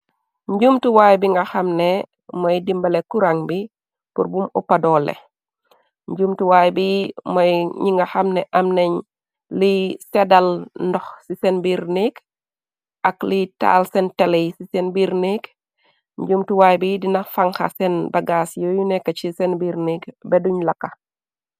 Njumtuwaay bi nga xamne, mooy dimbale kurang bi purbum oppadoole, njumtuwaay bi mooy ñi nga xamne, am nañ li sedal ndox ci seen biir nik, ak li taal seen teley ci seen biir nik , njumtuwaay bi dina fanxa seen bagaas yooy nekk ci seen biirnik, beduñ lakka.